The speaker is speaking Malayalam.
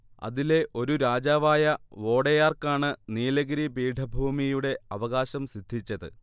അതിലെ ഒരു രാജാവായ വോഡെയാർക്കാണ് നീലഗിരി പീഠഭൂമിയുടെ അവകാശം സിദ്ധിച്ചത്